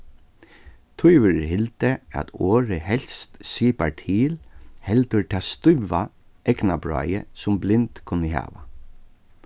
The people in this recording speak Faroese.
tí verður hildið at orðið helst sipar til heldur tað eygnabráið sum blind kunnu hava